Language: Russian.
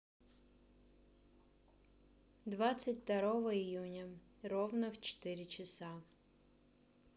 двадцать второго июня ровно в четыре часа